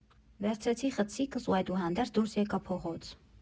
Վերցրեցի խցիկս ու այդուհանդերձ դուրս եկա փողոց։